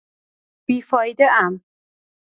بی‌فایده‌ام.